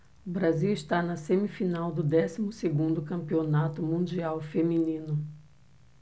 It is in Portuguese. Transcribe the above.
o brasil está na semifinal do décimo segundo campeonato mundial feminino